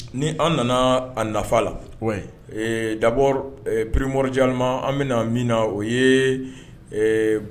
Ni an nana a nafa la dabɔ pereirimojɛlima an bɛna min na o ye